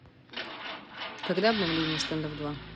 когда обновление standoff два